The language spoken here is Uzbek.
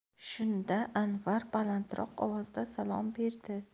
shunda anvar balandroq ovozda salom berdi